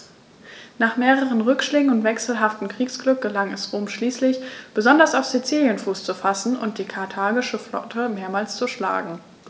Nach mehreren Rückschlägen und wechselhaftem Kriegsglück gelang es Rom schließlich, besonders auf Sizilien Fuß zu fassen und die karthagische Flotte mehrmals zu schlagen.